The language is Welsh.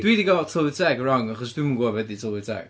Dwi 'di gael tylwyth teg yn wrong, achos dwi ddim yn gwybod be 'di tylwyth teg.